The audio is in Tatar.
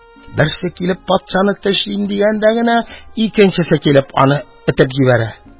Берсе килеп патшаны тешлим дигәндә генә, икенчесе килеп аны этеп җибәрә.